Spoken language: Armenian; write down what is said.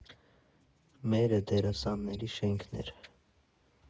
Մերը Դերասանների շենքն էր։